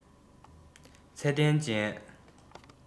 ཚད ལྡན ཅན